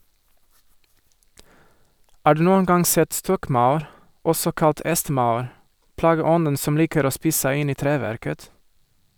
Har du noen gang sett stokkmaur, også kalt hestemaur, plageånden som liker å spise seg inn i treverket?